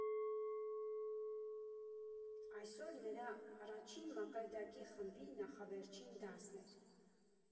Այսօր նրա՝ առաջին մակարդակի խմբի նախավերջին դասն էր։